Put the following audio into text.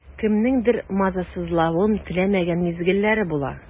Кемнеңдер мазасызлавын теләмәгән мизгелләр була.